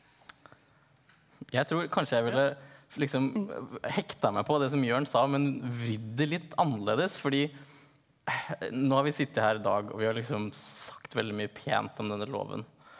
jeg tror kanskje jeg ville liksom hekta meg på det som Jørn sa men vridd det litt annerledes fordi nå har vi sittet her i dag og vi har liksom sagt veldig mye pent om denne loven.